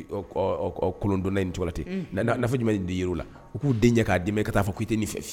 Ɔ ɔ Kɔlɔndonna in cogɔ la ten nafa jumɛn de yer'o la, u k'u den ɲa k'a d'i ma e ka t'a fɔ k'i tɛ ni fɛ